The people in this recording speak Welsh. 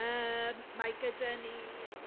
Yym mae gyda ni...